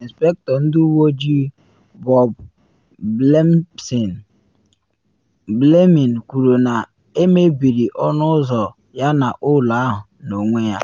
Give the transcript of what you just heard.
Ịnspektọ Ndị Uwe Ojii Bob Blemmings kwuru na emebiri ọnụ ụzọ yana ụlọ ahụ n’onwe ya.